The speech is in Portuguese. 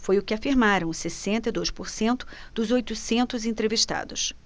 foi o que afirmaram sessenta e dois por cento dos oitocentos entrevistados